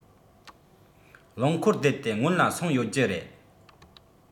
རླངས འཁོར བསྡད དེ སྔོན ལ སོང ཡོད རྒྱུ རེད